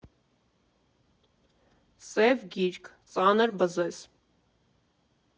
Սև գիրք, ծանր բզեզ։